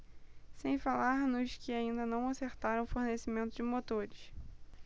sem falar nos que ainda não acertaram o fornecimento de motores